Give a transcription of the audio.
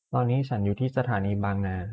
ตอนนี้ฉันอยู่ที่สถานีบางนา